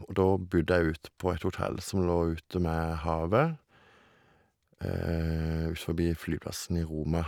Og da bodde jeg utpå et hotell som lå ute med havet, ut forbi flyplassen i Roma.